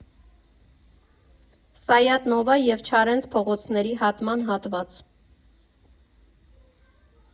Սայաթ֊Նովա և Չարենց փողոցների հատման հատված։